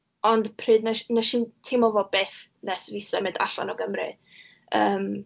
Ond pryd wnes wnes i'm teimlo fo byth, nes i fi symud allan o Gymru, yym...